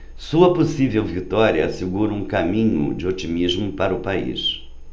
sua possível vitória assegura um caminho de otimismo para o país